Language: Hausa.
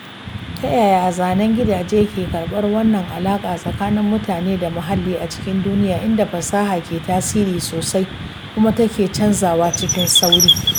To, ta yaya zanen gidajen ke karɓar wannan alaƙa tsakanin mutane da muhalli a cikin duniya inda fasaha ke tasiri sosai kuma take canzawa cikin sauri?